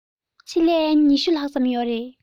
ཆེད ལས ༢༠ ལྷག ཙམ ཡོད རེད